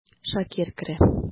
Шакир керә.